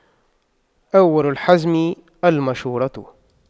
أول الحزم المشورة